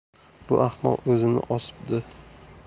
bu ahmoq o'zini osibdi